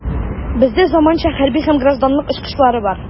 Бездә заманча хәрби һәм гражданлык очкычлары бар.